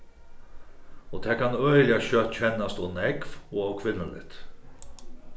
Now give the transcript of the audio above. og tað kann øgiliga skjótt kennast ov nógv og ov kvinnuligt